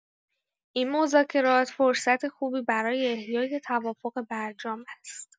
این مذاکرات فرصت خوبی برای احیای توافق برجام است.